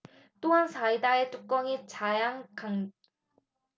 또한 사이다의 뚜껑이 자양강장제 뚜껑으로 덮어져 있었는데요